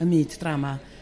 ym myd drama.